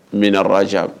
N bɛna araja